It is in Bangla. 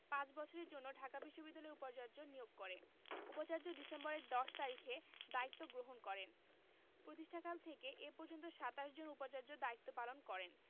পাঁচ বছরের জন্য ঢাকা বিশ্ববিদ্যালয়ের উপাচার্য নিয়োগ করেন উপাচার্য ডিসেম্বরের ১০ তারিখে দায়িত্ব গ্রহণ করেন প্রতিষ্ঠাকাল থেকে এ পর্যন্ত ২৭ জন উপাচার্য দায়িত্ব পালন করেন